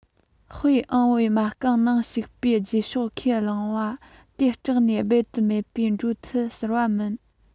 དཔེ ཨང པའི མ རྐང ནང ཞུགས པའི རྗེས ཕྱོགས ཁས བླངས པ དང སྦྲགས ནས རྦད དེ མེད པར འགྲོ ཐུབ ཟེར བ མིན